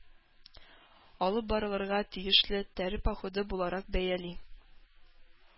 Алып барылырга тиешле “тәре походы” буларак бәяли.